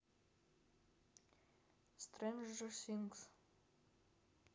стренджер сингс